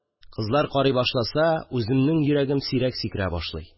Кызлар карый башласа, үземнең йөрәгем сирәк сикерә башлый